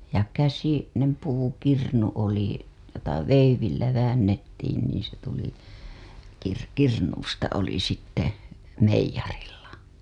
ja - käsinen puukirnu oli jota veivillä väännettiin niin se tuli - kirnusta oli sitten meijerillä